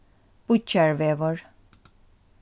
bíggjarvegur